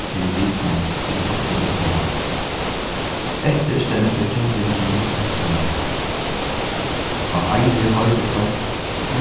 fyri risan sum er dottin í havið eftir stendur kellingin einsamøll á eiði hoyrdu fólk